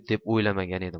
deb o'ylamagan edim